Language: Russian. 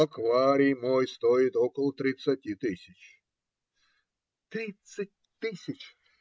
Акварий мой стоит около тридцати тысяч. - Тридцать тысяч!